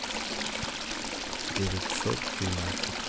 девятьсот двенадцать